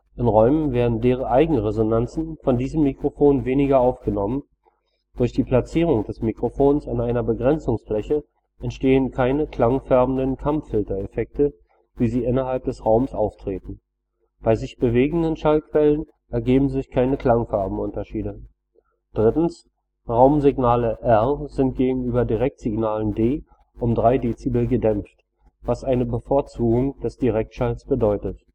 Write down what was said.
In Räumen werden deren Eigenresonanzen von diesem Mikrofon weniger aufgenommen; Durch die Platzierung des Mikrofons an einer Begrenzungsfläche entstehen keine klangfärbenden Kammfiltereffekte, wie sie innerhalb des Raums auftreten. Bei sich bewegenden Schallquellen ergeben sich keine Klangfarbenunterschiede. Raumsignale R sind gegenüber den Direktsignalen D um 3 dB gedämpft, was eine Bevorzugung des Direktschalls bedeutet